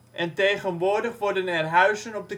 en tegenwoordig worden er huizen op